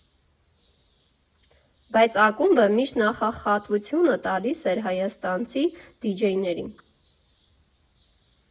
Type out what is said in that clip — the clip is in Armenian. Բայց ակումբը միշտ նախախատվությունը տալիս էր հայաստանցի դիջեյներին։